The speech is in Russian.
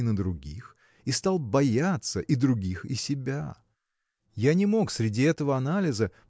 ни на других – и стал бояться и других и себя. Я не мог среди этого анализа